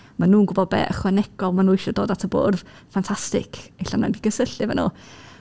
Ma nhw'n gwbod be ychwanegol ma' nhw isio dod at y bwrdd. Fantastic, ella wnawn ni gysylltu efo nhw."